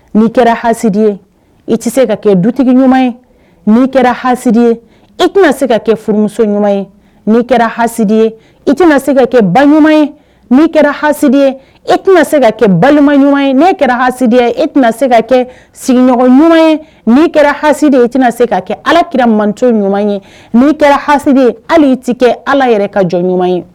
N'i kɛra ha ye i tɛ se ka kɛ dutigi ɲuman ye n'i kɛra ha ye i tɛna se ka kɛ furumuso ɲuman ye n'i kɛra hadi ye i tɛna se ka kɛ ba ɲuman ye n'i kɛra ha ye e tɛna se ka kɛ balima ɲuman ye nee kɛra hadi ye e tɛna se ka kɛ sigiɲɔgɔn ɲuman ye n'i kɛra hadi ye e tɛna se ka kɛ alaki manto ɲuman ye n'i kɛra ha ye hali i tɛ kɛ ala yɛrɛ ka jɔ ɲuman ye